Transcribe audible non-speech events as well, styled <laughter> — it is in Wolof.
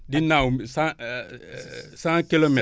di naaw cent <hesitation> sa kilomètres